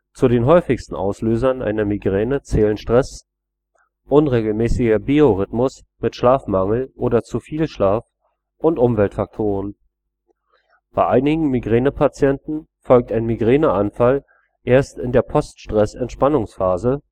Zu den häufigsten Auslösern einer Migräne zählen Stress, unregelmäßiger Biorhythmus mit Schlafmangel oder zu viel Schlaf und Umweltfaktoren. Bei einigen Migränepatienten folgt ein Migräneanfall erst in der Poststress-Entspannungsphase